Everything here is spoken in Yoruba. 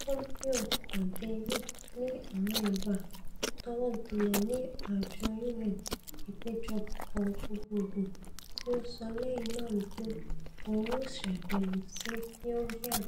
Pompeo pàdé Ri ní àwọn ìgbá tọ́wọ́dilẹ̀ ni àjọ U.N. Ìpéjọpọ̀ Gbogbogbò tí ó sọ lẹ́yìn náà wí pé òun yóò ṣàbẹ̀wò sí Pyongyang